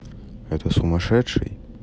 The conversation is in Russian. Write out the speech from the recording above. это сумасшедший